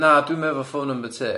Na dwi'm efo phone number tŷ.